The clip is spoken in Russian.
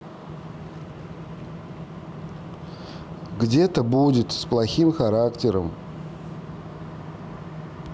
где то будет с плохим характером